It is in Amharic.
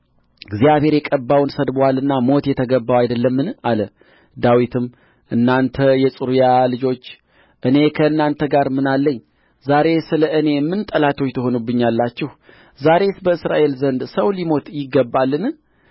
እግዚአብሔር የቀባውን ሰድቦአልና ሞት የተገባው አይደለምን አለ ዳዊትም እናንተ የጽሩያ ልጆች እኔ ከእናንተ ጋር ምን አለኝ ዛሬ ስለ ምን ጠላቶች ትሆኑብኛላችሁ ዛሬስ በእስራኤል ዘንድ ሰው ሊሞት ይገባልን